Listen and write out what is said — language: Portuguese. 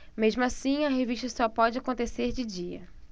mesmo assim a revista só pode acontecer de dia